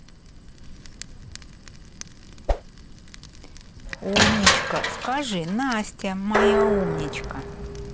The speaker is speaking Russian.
умничка скажи настя моя умничка